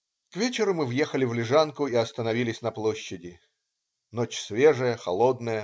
" К вечеру мы въехали в Лежанку и остановились на площади. Ночь свежая, холодная.